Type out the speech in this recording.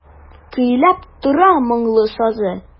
Көйләп тора моңлы сазы.